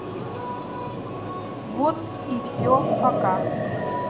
вот и все пока